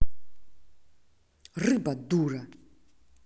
рыба дура